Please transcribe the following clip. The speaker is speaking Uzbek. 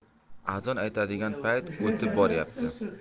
azon aytadigan payt o'tib boryapti